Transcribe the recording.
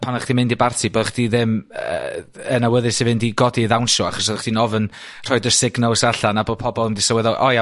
pan o'ch chdi mynd i barti bo' chdi ddim yy yn awyddus i fynd i godi i ddawnsio achos oddach chdi'n ofyn rhoid y signals allan a bo' pobol mynd i sylweddoli o ia